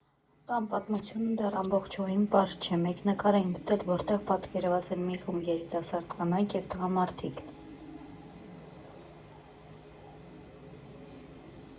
Տան պատմությունը դեռ ամբողջովին պարզ չէ, մեկ նկար են գտել, որտեղ պատկերված են մի խումբ երիտասարդ կանայք և տղամարդիկ։